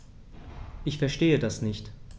Ich verstehe das nicht.